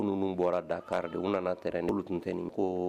Min ni n'u bɔra Dakar de,u nana train Olu tun tɛ nin ko